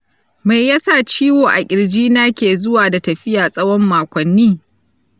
me ya sa ciwo a kirjina ke zuwa da tafiya tsawon makonni?